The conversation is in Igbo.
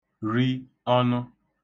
ri ọnụ